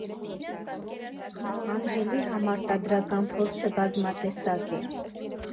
Անժելայի համարտադրական փորձը բազմատեսակ է.